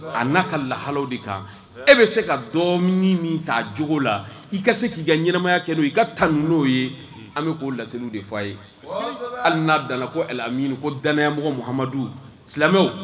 A n'a ka lahalo de kan e bɛ se ka min taa cogo la i ka se k'i ka ɲɛnamaya kɛ i ka ta n'o ye an bɛ'o layieliw de fɔ a ye hali n'a dan ko ala ko danyamɔgɔmadu silamɛw